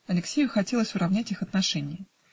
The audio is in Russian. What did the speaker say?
Алексею хотелось уравнять их отношения.